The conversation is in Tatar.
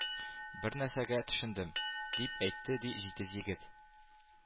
Бернәрсәгә төшендем, — дип әйтте, ди, җитез егет.